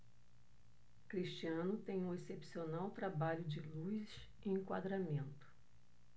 cristiano tem um excepcional trabalho de luz e enquadramento